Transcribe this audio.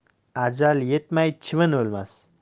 ajal yetmay chivin o'lmas